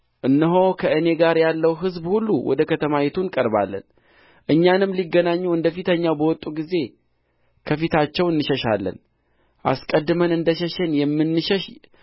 እነሆ ከእኔም ጋር ያለው ሕዝብ ሁሉ ወደ ከተማይቱ እንቀርባለን እኛንም ሊገናኙ እንደ ፊተኛው በወጡ ጊዜ ከፊታቸው እንሸሻለን አስቀድመን እንደ ሸሸን የምንሸሽ